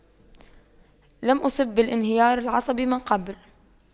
لم أصب بالانهيار العصبي من قبل